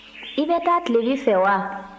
i bɛ taa tilebin fɛ wa